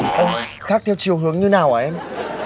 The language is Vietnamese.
ơ khác theo chiều hướng như nào hả em